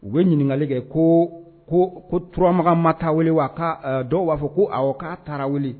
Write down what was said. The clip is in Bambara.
U bɛ ɲininkali kɛ ko ko ko turamagan ma' weele wa' dɔw b'a fɔ ko aw k'a taara